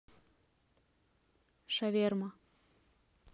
шаверма